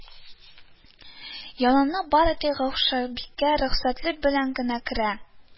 Янына бары тик гәүһәршад бикә рөхсәте белен генә керә